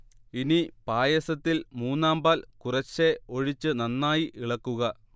ഇനി പായസത്തിൽ മൂന്നാം പാൽ കുറേശ്ശെ ഒഴിച്ച് നന്നായി ഇളക്കുക